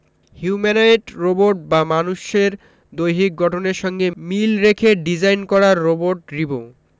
humanoid robot বা মানুষের দৈহিক গঠনের সঙ্গে মিল রেখে ডিজাইন করা রোবট রিবো